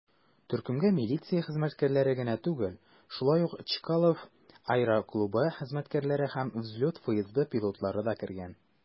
Төркемгә милиция хезмәткәрләре генә түгел, шулай ук Чкалов аэроклубы хезмәткәрләре һәм "Взлет" ФСБ пилотлары да кергән.